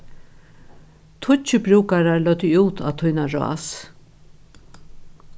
tíggju brúkarar løgdu út á tína rás